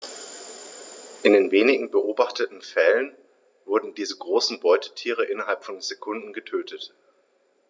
In den wenigen beobachteten Fällen wurden diese großen Beutetiere innerhalb von Sekunden getötet.